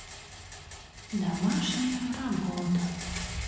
домашняя работа